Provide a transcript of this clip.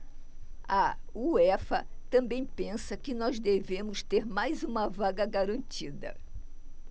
a uefa também pensa que nós devemos ter mais uma vaga garantida